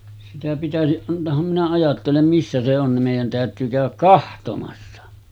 sitä pitäisi antaahan minä ajattelen missä se on niin meidän täytyy käydä katsomassa